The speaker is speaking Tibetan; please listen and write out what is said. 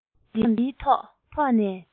ཐག ཟམ དེའི ཐོག ནས